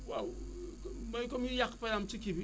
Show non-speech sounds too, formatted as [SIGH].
waaw [HESITATION] mooy comme yiy yàq par exemple ci kii bi